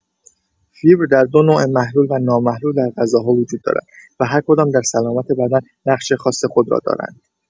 فیبر در دو نوع محلول و نامحلول در غذاها وجود دارد و هرکدام در سلامت بدن نقش خاص خود را دارند.